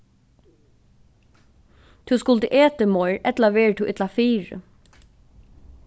tú skuldi etið meir ella verður tú illa fyri